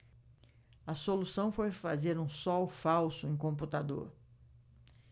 a solução foi fazer um sol falso em computador